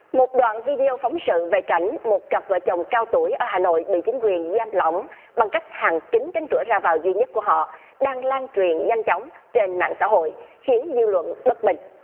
một đoạn vê đê ô phóng sự về cảnh một cặp vợ chồng cao tuổi ở hà nội bị chính quyền giam lỏng bằng cách hàn kín cánh cửa ra vào duy nhất của họ đang lan truyền nhanh chóng trên mạng xã hội khiến dư luận bất bình